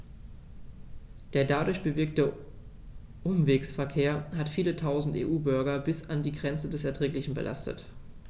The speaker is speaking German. Der dadurch bewirkte Umwegsverkehr hat viele Tausend EU-Bürger bis an die Grenze des Erträglichen belastet.